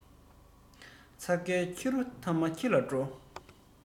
ཚྭ ཁའི ཁྱི རོ མཐའ མ ཁྱི ལ འགྲོ